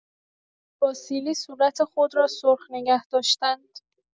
با سیلی صورت خود را سرخ نگه‌داشتن